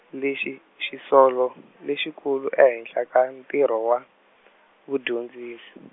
lexi, xisolo, lexikulu ehenhla ka ntirho wa, vudyondzisi.